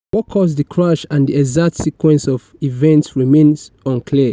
What caused the crash and the exact sequence of events remains unclear.